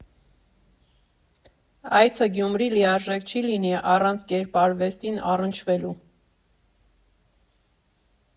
Այցը Գյումրի լիարժեք չի լինի առանց կերպարվեստին առնչվելու։